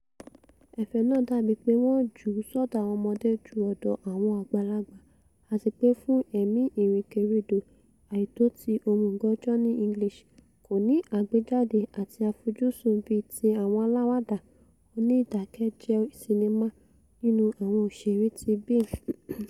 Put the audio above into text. Ẹ̀fẹ náà dàbí pé wọ́n jú u sọ́dọ̀ àwọn ọmọdé jú ọ̀dọ̀ àwọn àgbàlagbà, àtipé fún èmi ìrìnkerindò àìtọ́ tí òmùgọ̀ Johnny English kòní àgbéjáde àti àfojúsùn bíi tí àwọn aláwàdà oníìdákẹ́jẹ́ sinnimá nínú àwọ̀n òṣère ti Bean.